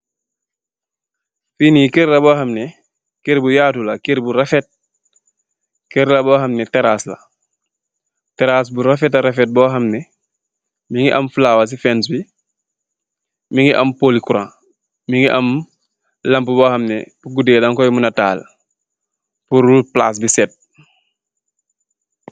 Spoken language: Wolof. Fi nee keur la bo hamneh keur bu yatu la keur bu refet keur bo hamnex terass la terass bu refeta refetal bu hamnex mogi am flower si fenc bi mogi am poli kuraa mogi am lampa bu hamanex si gudeh dang koi muna taal pul rud plac bi sett.